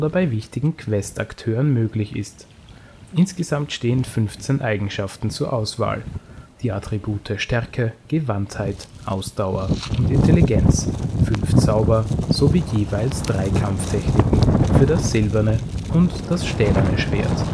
bei wichtigen Questakteuren möglich ist. Insgesamt stehen 15 Eigenschaften zur Auswahl: die Attribute Stärke, Gewandtheit, Ausdauer und Intelligenz, fünf Zauber sowie jeweils drei Kampftechniken für das silberne und das stählerne Schwert